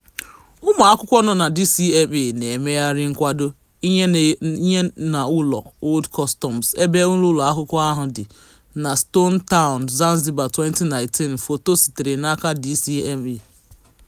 Ụmụakwụkwọ nọ na DCMA na-emegharị nkwado ihe na Ụlọ Old Customs , ebe ụlọakwụkwọ ahụ dị, na Stone Town, Zanzibar, 2019. Foto sitere n'aka DCMA.